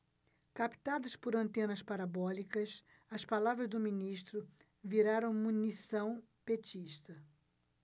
captadas por antenas parabólicas as palavras do ministro viraram munição petista